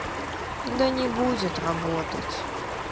да не будет работать